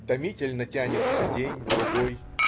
Томительно тянется день, другой.